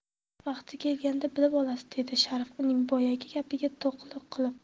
vaqti kelganda bilib olasiz dedi sharif uning boyagi gapiga taqlid qilib